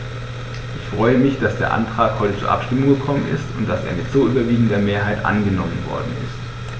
Ich freue mich, dass der Antrag heute zur Abstimmung gekommen ist und dass er mit so überwiegender Mehrheit angenommen worden ist.